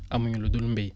amu ñu lu dul mbéy